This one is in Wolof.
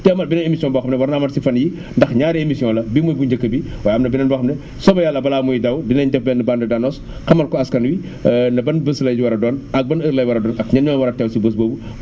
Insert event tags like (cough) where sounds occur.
dina amaat beneen émission boo xam ne war naa amaat si fan yii ndax ñaari émissions la bii mooy bu njëkk bi waaye am na beneen boo xam ne bu soobee yàlla balaa muy daw dinañ def benn bande d' annonce (noise) xamal ko askan wi (hesitation) ne ban bés lay wara a doon ak ban heure lay war a doon ak ñoo war a teew si bés boobu (inhales)